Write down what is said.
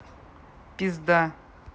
пизда